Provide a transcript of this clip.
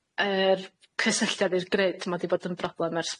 yr cysylltiad i'r grid, ma' 'di bod yn broblem ers